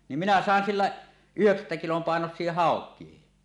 niin minä sain sillä yhdeksättä kilon painoisia haukia